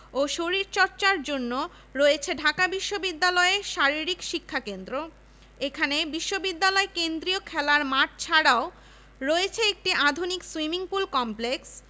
ও শরীরচর্চার জন্য রয়েছে ঢাকা বিশ্ববিদ্যালয়ে শারীরিক শিক্ষাকেন্দ্র এখানে বিশ্ববিদ্যালয় কেন্দ্রীয় খেলার মাঠ ছাড়াও রয়েছে একটি আধুনিক সুইমিং পুল কমপ্লেক্স